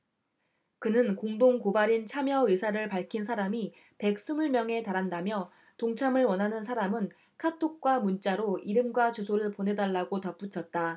그는 공동 고발인 참여 의사를 밝힌 사람이 백 스물 명에 달한다며 동참을 원하는 사람은 카톡과 문자로 이름과 주소를 보내달라고 덧붙였다